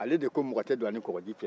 ale de ko mɔgɔ de don a ni kɔgɔji cɛ